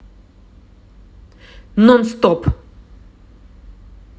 non stop